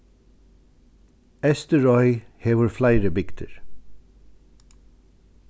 eysturoy hevur fleiri bygdir